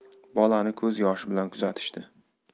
bolani ko'z yoshi bilan kuzatishdi